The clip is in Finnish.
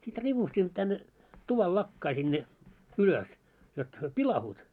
sitten ripustimme tänne tuvan lakkaan sinne ylös jotta he pilaantuu